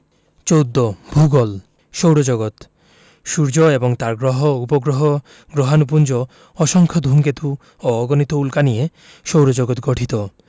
১৪ ভূগোল সৌরজগৎ সূর্য এবং তার গ্রহ উপগ্রহ গ্রহাণুপুঞ্জ অসংখ্য ধুমকেতু ও অগণিত উল্কা নিয়ে সৌরজগৎ গঠিত